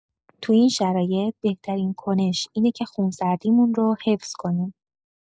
تو این شرایط بهترین کنش اینه که خونسردی‌مون رو حفظ کنیم.